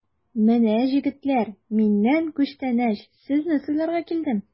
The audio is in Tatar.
Менә, җегетләр, миннән күчтәнәч, сезне сыйларга килдем!